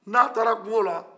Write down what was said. ni a taara kungo la